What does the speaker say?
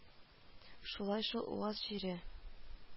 Шулай шул УАЗ җире